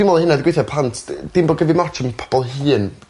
Dwi me'wl ma' hynna 'di gweitha plant d- dim bo' gen fi'm ots am pobol hŷn